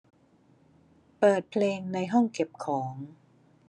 เปิดเพลงในห้องเก็บของ